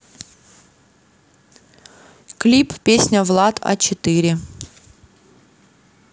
клип песня влад а четыре